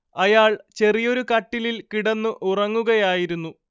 അയാൾ ചെറിയൊരു കട്ടിലിൽ കിടന്നു ഉറങ്ങുകയായിരുന്നു